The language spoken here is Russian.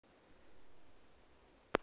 молодец ставлю лайк ты исправила ошибку